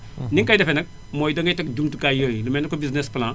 ni nga koy defee nag mooy dangay teg jumtukaay yooyu lu mel ni comme business : en plan